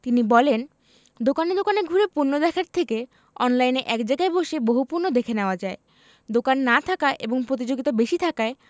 তিনি বলেন দোকানে দোকানে ঘুরে পণ্য দেখার থেকে অনলাইনে এক জায়গায় বসে বহু পণ্য দেখে নেওয়া যায় দোকান না থাকা এবং প্রতিযোগিতা বেশি থাকায়